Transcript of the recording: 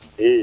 i